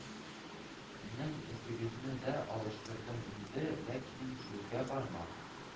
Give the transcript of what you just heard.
Нең өстегезне дә алыштырдым инде, ләкин сезгә бармак